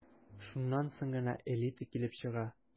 Шуннан соң гына «элита» килеп чыга...